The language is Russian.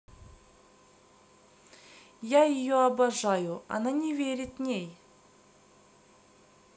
я ее обожаю она не верит ней